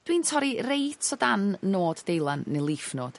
Dwi'n torri reit o dan nod deilan ne' leaf node.